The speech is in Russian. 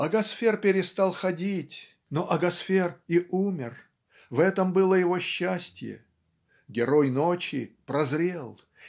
Агасфер перестал ходить, но Агасфер и умер. В этом было его счастье. Герой "Ночи" прозрел